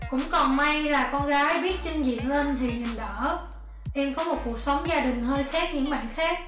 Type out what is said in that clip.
cũng còn may là con gái biết chưng diện lên thì nhìn đỡ em có một cuộc sống gia đình hơi khác những bạn khác